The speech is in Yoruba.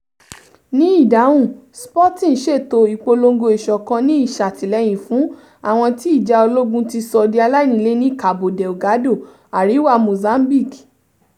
Ní ìdáhùn, Sporting ṣètò ìpolongo ìṣọ̀kan ní ìṣàtilẹyìn fún àwọn tí ìjà ológun ti sọ di aláìnílé ní Cabo Delgado, àríwá Mozambique.